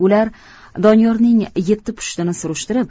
ular doniyorning yetti pushtini surishtirib